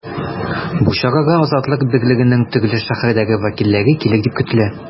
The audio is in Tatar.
Бу чарага “Азатлык” берлегенең төрле шәһәрдәге вәкилләре килер дип көтелә.